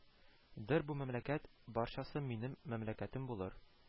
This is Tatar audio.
Дер, бу мәмләкәт барчасы минем мәмләкәтем булыр